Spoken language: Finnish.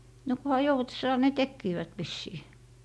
no kunhan joutessaan ne tekivät vissiin